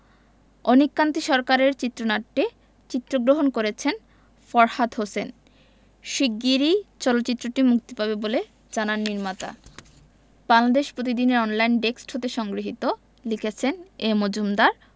অনিক কান্তি সরকারের চিত্রনাট্যে চিত্রগ্রহণ করেছেন ফরহাদ হোসেন শিগগিরই চলচ্চিত্রটি মুক্তি পাবে বলে জানান নির্মাতা বাংলাদেশ প্রতিদিন এর অনলাইন ডেক্সট হতে সংগৃহীত লিখেছেনঃ এ মজুমদার